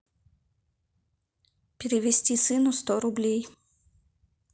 перевести сыну сто рублей